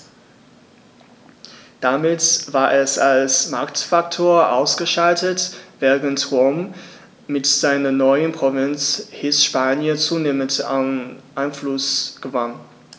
Damit war es als Machtfaktor ausgeschaltet, während Rom mit seiner neuen Provinz Hispanien zunehmend an Einfluss gewann.